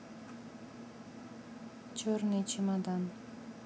черный чемодан